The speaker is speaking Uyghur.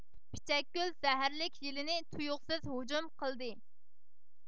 پىچەكگۈل زەھەرلىك يىلىنى تۇيۇقسىز ھۇجۇم قىلدى